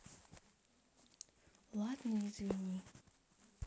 ладно извини